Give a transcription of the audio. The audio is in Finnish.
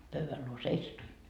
pöydän luo seisatuin